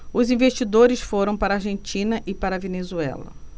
os investidores foram para a argentina e para a venezuela